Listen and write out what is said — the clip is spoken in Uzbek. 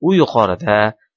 u yuqorida